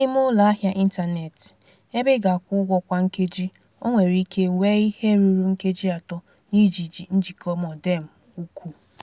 N'ime ụlọahịa ịntaneetị, ebe ị ga-akwụ ụgwọ kwa nkeji, o nwere ike wee ihe ruru nkeji atọ n'iji njikọ modem òkù.